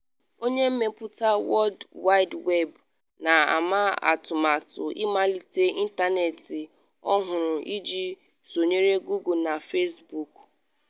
Onye Mmepụta World Wide Web Na-ama Atụmatụ Ịmalite Ịntanetị Ọhụrụ Iji Sonyere Google na Facebook